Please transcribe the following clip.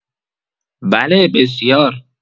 بله بسیار